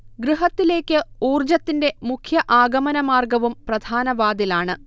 ഗൃഹത്തിലേക്ക് ഊർജ്ജത്തിന്റെ മുഖ്യ ആഗമനമാർഗ്ഗവും പ്രധാന വാതിൽ ആണ്